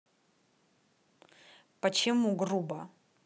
почему грубо